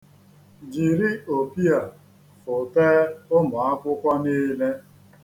Jiri opi a fụtee ụmụ akwụkwọ niile.